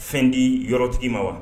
Fɛn di yɔrɔ tigitigi ma wa